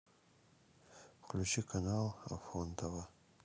включи канал афонтово